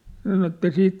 sanoi että siitä